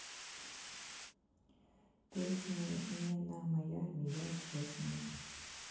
песни не на майями я честный